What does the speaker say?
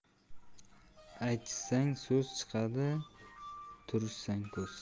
aytishsang so'z chiqadi turtishsang ko'z